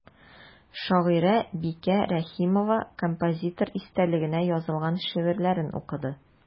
Шагыйрә Бикә Рәхимова композитор истәлегенә язылган шигырьләрен укыды.